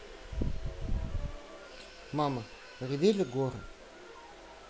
мама ревели горы